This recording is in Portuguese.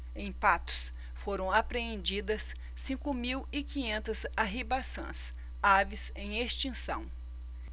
em patos foram apreendidas cinco mil e quinhentas arribaçãs aves em extinção